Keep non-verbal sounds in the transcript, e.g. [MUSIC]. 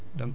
[HESITATION] [HESITATION]